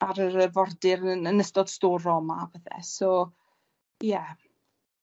ar yr arfordir yn yn ystod storom a pethe so, ie.